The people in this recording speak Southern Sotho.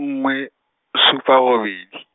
nngwe, supa robedi.